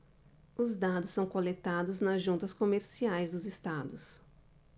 os dados são coletados nas juntas comerciais dos estados